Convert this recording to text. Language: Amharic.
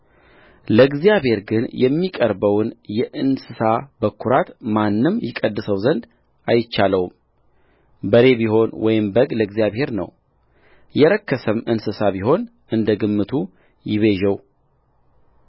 ለእግዚአብሔር ግን የሚቀርበውን የእንስሳ በኵራት ማንም ይቀድሰው ዘንድ አይቻለውም በሬ ቢሆን ወይም በግ ለእግዚአብሔር ነውየረከሰም እንስሳ ቢሆን እንደ ግምቱ ይቤዠው